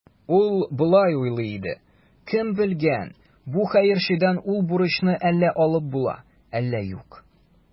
Ул болай уйлый иде: «Кем белгән, бу хәерчедән ул бурычны әллә алып була, әллә юк".